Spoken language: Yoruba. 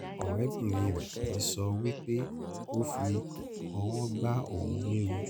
Ọ̀rẹ́bìnrin rẹ̀ ti sọ wí pé ó fi ọwọ gbá òun ní ojú.